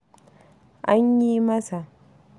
An yi masa…